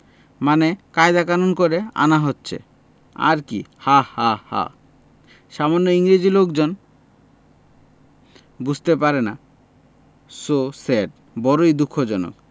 মানে কায়দা কানুন করে আনা হচ্ছে আর কি হা হা হা সামান্য ইংরেজী লোকজন বুঝতে পারে না সো সেড. বড়ই দুঃখজনক